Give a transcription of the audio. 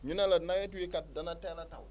ñu ne la nawet wii kat dana teel a taw